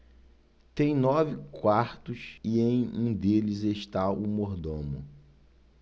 tem nove quartos e em um deles está o mordomo